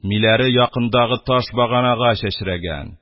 Миләре якындагы таш баганага чәчрәгән,